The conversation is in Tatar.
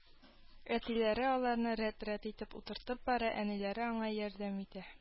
Әтиләре аларны рәт-рәт итеп утыртып бара, әниләре аңа ярдәм итә